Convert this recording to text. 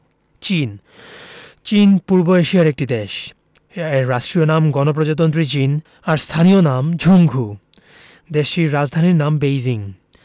চীন চীন পূর্ব এশিয়ার একটি দেশ এর রাষ্ট্রীয় নাম গণপ্রজাতন্ত্রী চীন আর স্থানীয় নাম ঝুংঘু দেশটির রাজধানীর নাম বেইজিং